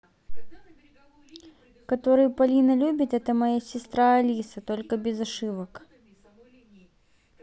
который полина любит это моя сестра алиса только без ошибок